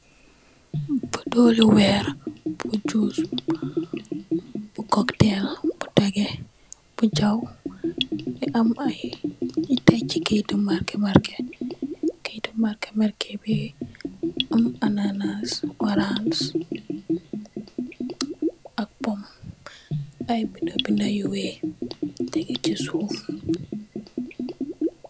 Butel li weer bu jus, bu jus, bu koktel, bu teege, mu ngi am ay kayiti marke marke. Kayiti marke bi, am anaanas, oras, ak pom. Ay binda binda yu weex degee ci suuf.